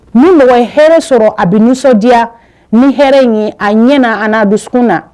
Ni mɔgɔ ye hɛrɛ sɔrɔ a bɛ nisɔndiya ni hɛrɛ in ye a ɲɛ na an'a dusukun na